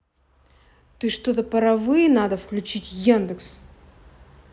ты что то паровые надо включить яндекс